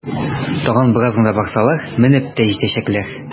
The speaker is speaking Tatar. Тагын бераз гына барсалар, менеп тә җитәчәкләр!